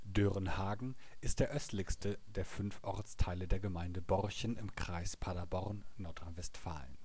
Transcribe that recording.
Dörenhagen ist der östlichste der fünf Ortsteile der Gemeinde Borchen im Kreis Paderborn, Nordrhein-Westfalen